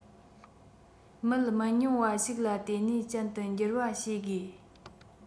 མི མི ཉུང བ ཞིག ལ བརྟེན ནས ཅན དུ འགྱུར བ བྱེད དགོས